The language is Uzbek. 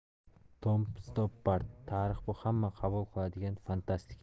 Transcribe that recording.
tom stoppard tarix bu hamma qabul qiladigan fantastika